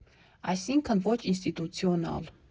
Այսինքն՝ ոչ ինստիտուցիոնալ։